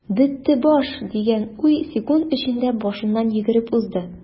"бетте баш” дигән уй секунд эчендә башыннан йөгереп узды.